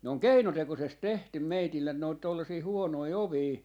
ne on keinotekoisesti tehty meille noita tuollaisia huonoja ovia